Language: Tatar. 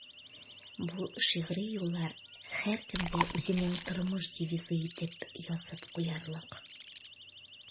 Бу шигъри юллар һәркемгә үзенең тормыш девизы итеп язып куярлык.